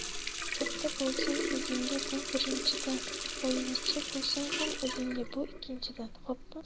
katta bo'lsang o'zingga bu birinchidan boyvachcha bo'lsang ham o'zingga bu ikkinchidan xo'pmi